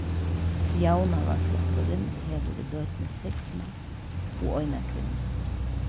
javnaðarflokkurin hevur í løtuni seks mans og eina kvinnu